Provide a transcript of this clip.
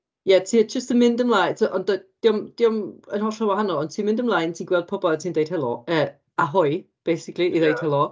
Ie, ti jyst yn mynd ymlaen tibod. Ond -d diom diom yn hollol wahanol, ond ti'n mynd ymlaen, ti'n gweld pobl a ti'n deud "helo" yy ahoy basically i ddeud helo.